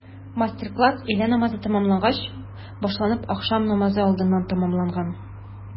Мастер-класс өйлә намазы тәмамлангач башланып, ахшам намазы алдыннан тәмамланган.